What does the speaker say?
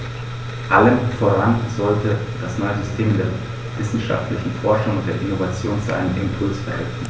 Allem voran sollte das neue System der wissenschaftlichen Forschung und der Innovation zu einem Impuls verhelfen.